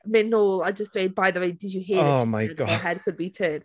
mynd nôl a jyst dweud "By the way, did you hear"... Oh my God! ..."that her head could be turned."*